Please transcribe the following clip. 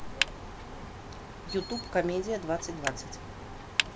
ютуб комедия двадцать двадцать